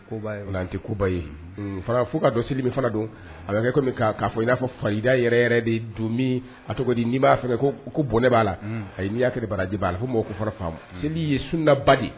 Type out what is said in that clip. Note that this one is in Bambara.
Ko tɛ koba ye fana fo ka dɔn seli min fana don a'kɛ k'a fɔ i n'a fɔ farinda yɛrɛ de don min a tɔgɔ n'i b'a fɛ ko ko bɔnɛ b'a la a n'i'a bara' la fo ko fa seli ye sundaba de